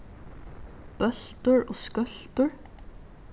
bóltur og skøltur